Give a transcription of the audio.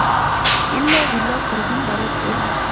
illo billo qirg'inbarot bo'lmasin